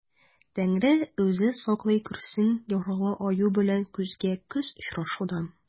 Тәңре үзе саклый күрсен яралы аю белән күзгә-күз очрашудан.